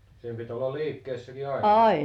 sen piti olla liikkeessäkin aina